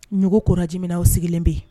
Ɲugu kojaminaw sigilen bɛ yen